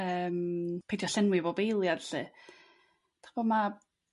yrm peidio llenwi fob eiliad 'lly. 'Dych ch'mo' ma'